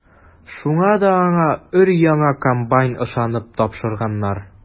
Шуңа да аңа өр-яңа комбайн ышанып тапшырганнар.